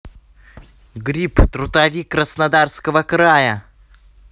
гриб трутовик краснодарского края